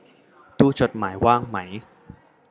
ตู้จดหมายว่างไหม